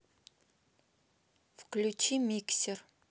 включи миксер